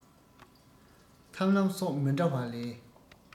ཐབས ལམ སོགས མི འདྲ བ ལས